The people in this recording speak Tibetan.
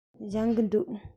སྦྱོང གི འདུག